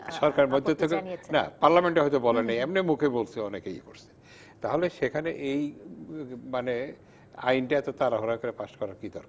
পার্লামেন্টে সরকার মধ্য থেকে অনেকে জানিয়েছেন না পার্লামেন্টে হয়তো বলে নাই এমনি মুখে বলছে অনেকেই ই করেছে তাহলে সেখানে মানে আইন টা এত তাড়াহুড়া করে পাশ করার কি দরকার ছিল